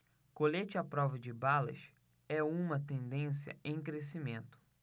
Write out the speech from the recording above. colete à prova de balas é uma tendência em crescimento